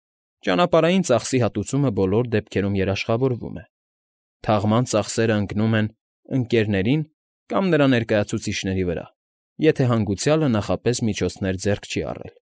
Ճանապարհային ծախսերի հատուցումը բոլոր դեպքերում երաշխավորվում է, թաղման ծախսերն ընկնում են Ընկ.֊ն կամ նրա ներկայացուցիչների վրա (եթե հանգուցյալը նախապես միջոցներ ձեռք չի առել)։